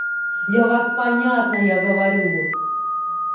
я вас понятно я говорю